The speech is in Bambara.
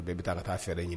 Bɛɛ bi taa ka taa fɛɛrɛ ɲini.